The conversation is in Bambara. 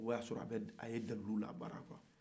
o y a sɔrɔ a bɛ a ye dalilu labaara quoi